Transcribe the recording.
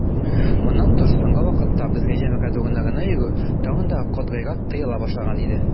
Моннан тыш, соңгы вакытта безгә җәмәгать урыннарына йөрү тагын да катгыйрак тыела башлаган иде.